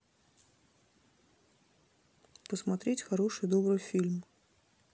посмотреть хороший добрый фильм